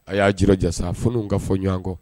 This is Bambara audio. A y'a jira jaa f ka fɔ ɲɔgɔn kɔ